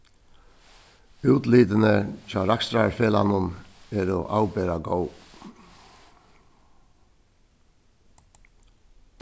útlitini hjá rakstrarfelagnum eru avbera góð